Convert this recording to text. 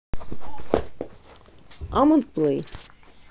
амонг плей